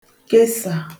kesà